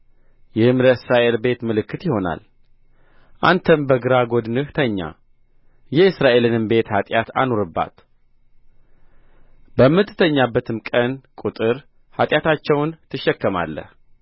ይህም ለእስራኤል ቤት ምልክት ይሆናል አንተም በግራ ጐድንህ ተኛ የእስራኤልንም ቤት ኃጢአት አኑርባት በምትተኛበትም ቀን ቍጥር ኃጢአታቸውን ትሸከማለህ